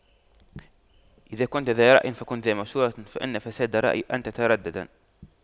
إذا كنتَ ذا رأيٍ فكن ذا مشورة فإن فساد الرأي أن تترددا